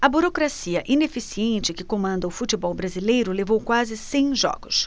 a burocracia ineficiente que comanda o futebol brasileiro levou quase cem jogos